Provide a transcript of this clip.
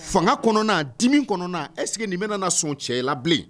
Fanga kɔnɔna dimi kɔnɔna ɛsseke nin bɛna sɔn cɛ labilen